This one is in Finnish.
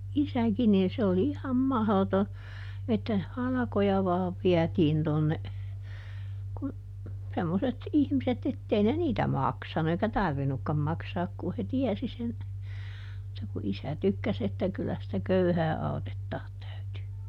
isäkin niin se oli ihan mahdoton että halkoja vain vietiin tuonne kun semmoiset ihmiset että ei ne niitä maksanut eikä tarvinnutkaan maksaa kun he tiesi sen mutta kun isä tykkäsi että kyllä sitä köyhää autettaa täytyy